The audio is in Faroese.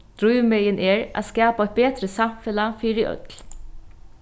drívmegin er at skapa eitt betri samfelag fyri øll